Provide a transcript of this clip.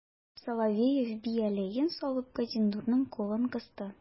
Соловеев, бияләен салып, Газинурның кулын кысты.